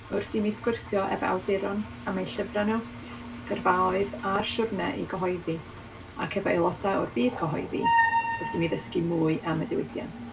Wrth i mi sgwrsio efo awduron am eu llyfrau nhw , gyrfaoedd a'r siwrne i gyhoeddi, ac efo aelodau o'r byd cyhoeddi wrth i mi ddysgu mwy am y diwydiant.